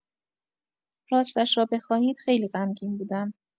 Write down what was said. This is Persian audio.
راستش را بخواهید خیلی غمگین بودم.